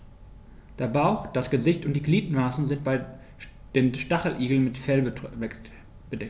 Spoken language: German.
Der Bauch, das Gesicht und die Gliedmaßen sind bei den Stacheligeln mit Fell bedeckt.